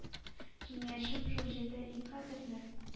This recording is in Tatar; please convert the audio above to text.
Киңәшем шул: җирдә иң кадерле